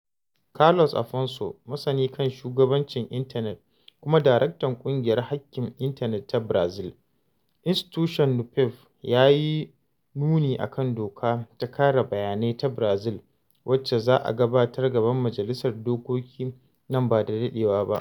Carlos Afonso, masani kan shugabancin Intanet kuma daraktan ƙungiyar haƙƙin Intanet ta Brazil, Instituto Nupef, yayi nuni akan doka ta kare bayanai ta Brazil, wacce za a gabatar gaban Majalisar Dokoki nan ba da daɗewa ba.